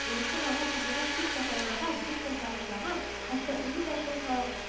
Оятка калган сандугач бик кайгырган, бик тә сагыншланган, хәтта үзе дә шул са